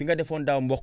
fi nga defoon daaw mboq